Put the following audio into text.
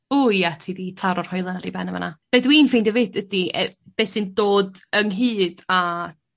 O ia ti 'di taro'r hoelan ar 'i ben yn fyna. Be' dwi'n ffeindo 'fyd ydi yy be' sy'n dod ynghyd â